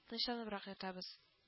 Тынычланыбрак ятабыз